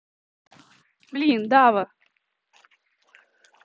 блин дава